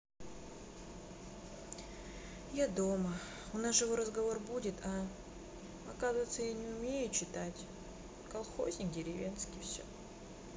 я дома у нас живой разговор будет а оказывается я не умею читать колхозник деревенский все